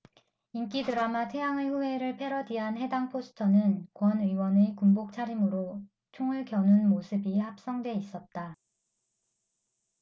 인기 드라마 태양의 후예를 패러디한 해당 포스터는 권 의원이 군복 차림으로 총을 겨눈 모습이 합성돼 있었다